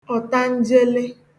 ọ̀tanjele